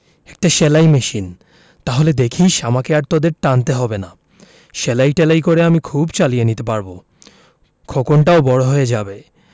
একটা সেলাই মেশিন তাহলে দেখিস আমাকে আর তোদের টানতে হবে না সেলাই টেলাই করে আমি খুব চালিয়ে নিতে পারব খোকনটাও বড় হয়ে যাবে